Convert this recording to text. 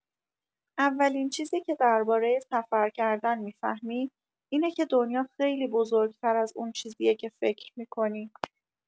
اولین چیزی که درباره سفر کردن می‌فهمی اینه که دنیا خیلی بزرگ‌تر از اون چیزیه که فکر می‌کنی.